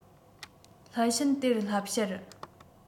སླད ཕྱིན དེ བསླབ བྱར